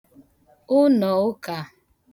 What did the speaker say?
ụnòụkà